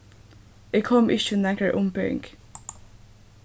eg komi ikki við nakrari umbering